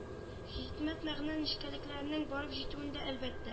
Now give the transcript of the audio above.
Хикмәт мәгънә нечкәлекләренең барып җитүендә әлбәт